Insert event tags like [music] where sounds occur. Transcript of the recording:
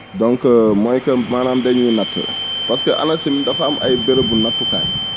donc mooy que maanaam dañuy natt [noise] parce que ANACIM dafa am ay bérébu nattukaay [noise]